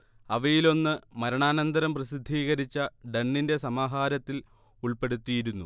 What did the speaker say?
അവയിലൊന്ന് മരണാന്തരം പ്രസിദ്ധീകരിച്ച ഡണ്ണിന്റെ സമഹാരത്തിൽ ഉൾപ്പെടുത്തിയിരുന്നു